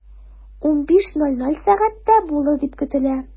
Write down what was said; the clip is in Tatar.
15.00 сәгатьтә булыр дип көтелә.